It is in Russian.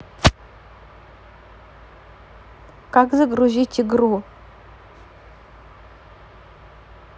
как загрузить игру